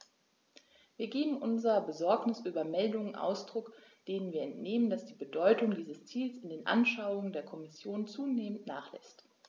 Wir geben unserer Besorgnis über Meldungen Ausdruck, denen wir entnehmen, dass die Bedeutung dieses Ziels in den Anschauungen der Kommission zunehmend nachlässt.